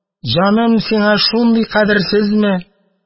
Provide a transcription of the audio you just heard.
Җаным сиңа шулай кадерсезме?